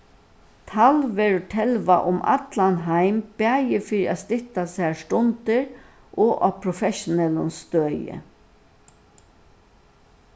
talv verður telvað um allan heim bæði fyri at stytta sær stundir og á professionellum støði